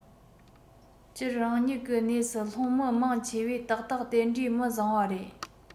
སྤྱིར རང ཉིད གི གནས སུ ལྷུང མི མང ཆེ བས ཏག ཏག དེ འདྲའི མི བཟང བ རེད